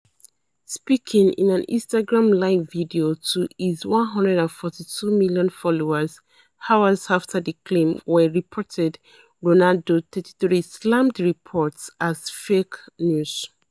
"No, no, no, no , no.